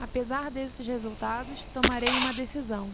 apesar desses resultados tomarei uma decisão